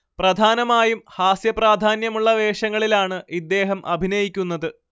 പ്രധാനമായും ഹാസ്യ പ്രാധാന്യമുള്ള വേഷങ്ങളിലാണ് ഇദ്ദേഹം അഭിനയിക്കുന്നത്